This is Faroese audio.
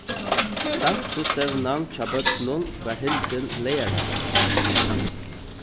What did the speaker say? dansistevnan hjá børnum varð hildin leygardagin